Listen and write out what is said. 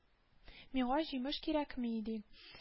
– миңа җимеш кирәкми ди